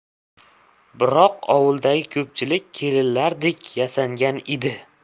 biroq ovuldagi ko'pchilik kelinlardek yasangan edi